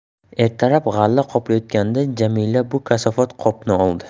ertalab g'alla qoplayotganda jamila bu kasofat qopni oldi